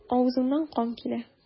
Авызыннан кан килә.